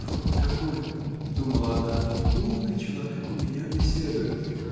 "Вот какой, -- думала она, -- умный человек у меня беседует".